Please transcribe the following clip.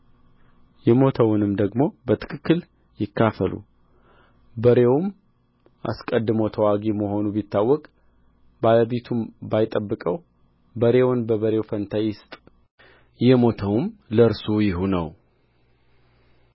የሞተውንም ደግሞ በትክክል ይካፈሉ በሬውም አስቀድሞ ተዋጊ መሆኑ ቢታወቅ ባለቤቱም ባይጠብቀው በሬውን በበሬው ፈንታ ይስጥ የሞተውም ለእርሱ ይሁነው